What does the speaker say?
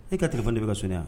E ka telefɔni de bɛ ka sonné aa?